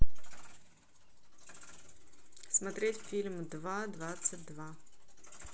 смотреть фильм два двадцать два